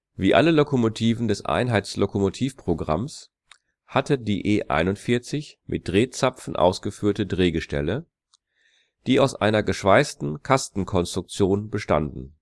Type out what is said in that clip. Wie alle Lokomotiven des Einheitslokomotivprogramms hatte die E 41 mit Drehzapfen ausgeführte Drehgestelle, die aus einer geschweißten Kasten-Konstruktionen bestanden